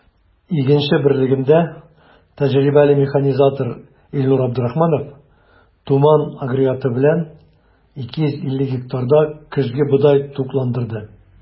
“игенче” берлегендә тәҗрибәле механизатор илнур абдрахманов “туман” агрегаты белән 250 гектарда көзге бодай тукландырды.